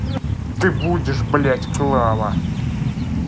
ты будешь блять клава